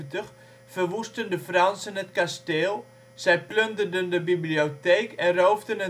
verwoestten de Fransen het kasteel, zij plunderden de bibliotheek en roofden